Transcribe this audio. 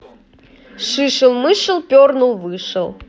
шишел мышел пернул вышел